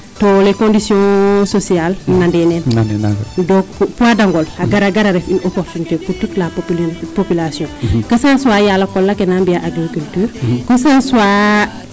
to les condition sociale nane neen donc poids Dangol a gara gar a ref une opportuniter pour toute la population que ca soit yaala qola ke naa mbiya agriculture que ca soit